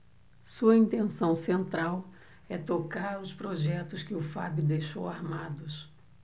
sua intenção central é tocar os projetos que o fábio deixou armados